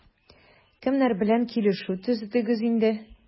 Кемнәр белән килешү төзедегез инде?